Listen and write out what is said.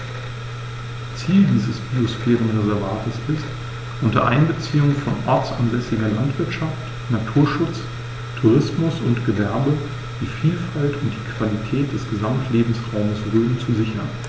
Ziel dieses Biosphärenreservates ist, unter Einbeziehung von ortsansässiger Landwirtschaft, Naturschutz, Tourismus und Gewerbe die Vielfalt und die Qualität des Gesamtlebensraumes Rhön zu sichern.